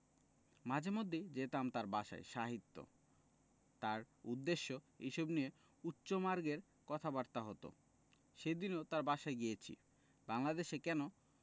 মাঝে মধ্যেই যেতাম তার বাসায় সাহিত্য তার উদ্দেশ্য এইসব নিয়ে উচ্চমার্গের কথাবার্তা হত সেদিনও তার বাসায় গিয়েছি বাংলাদেশে কেন